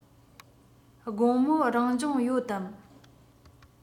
དགོང མོ རང སྦྱོང ཡོད དམ